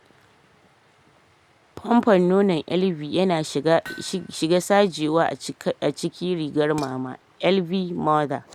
fumfon nonon Elvie yana shiga sajewa a ciki rigar mama (Elvie/Mother)